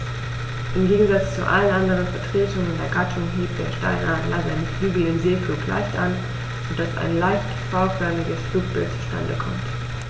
Im Gegensatz zu allen anderen Vertretern der Gattung hebt der Steinadler seine Flügel im Segelflug leicht an, so dass ein leicht V-förmiges Flugbild zustande kommt.